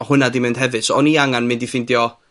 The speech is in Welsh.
o' hwnna 'di mynd hefyd, so o'n i angan mynd i ffindio